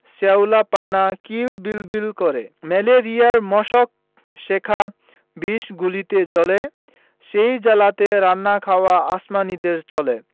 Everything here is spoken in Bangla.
শ্যাওলা পানা কিল বিল বিল করে ম্যালেরিয়ার মশক সেথা বিষ গুলিছে জলে সেই জলেতে রান্না খাওয়া আসমানীদের চলে